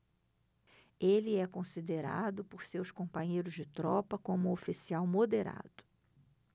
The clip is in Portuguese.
ele é considerado por seus companheiros de tropa como um oficial moderado